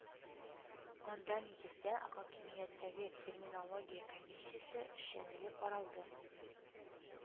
Анда, нигездә, хакимияттәге Терминология комиссиясе эшчәнлеге каралды